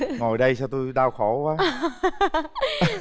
ngồi đây sao tôi đau khổ quá